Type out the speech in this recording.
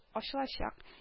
Ачылачак